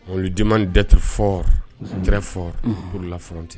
Olu di dette fɔ tfɔ olu la fte